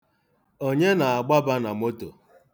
Onye na-agbaba na moto?